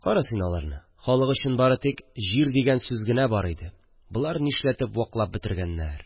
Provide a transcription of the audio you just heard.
Кара син аларны, халык өчен бары тик «җир» дигән сүз генә бар иде, болар нишләтеп ваклап бетергәннәр